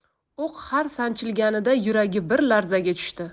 o'q har sanchilganida yuragi bir larzaga tushdi